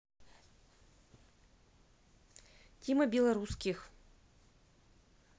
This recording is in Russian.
тима белорусских